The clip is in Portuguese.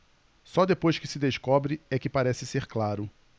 só depois que se descobre é que parece ser claro